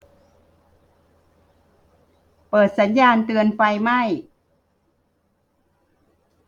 เปิดสัญญาณเตือนไฟไหม้